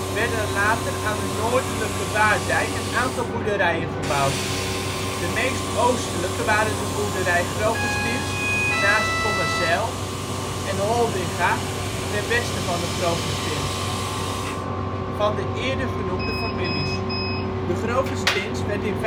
werden later aan de noordelijke Waarddijk een aantal boerderijen gebouwd. De meest oostelijke waren de boerderij ' Grovestins ' (naast Kommerzijl) en ' Holdinga ' (ten westen van de Grovestins) van de eerder genoemde families. De Grovestins werd in